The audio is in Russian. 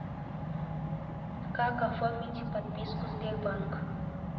как оформить подписку сбербанк